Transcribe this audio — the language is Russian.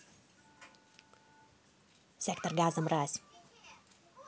сектор газа мразь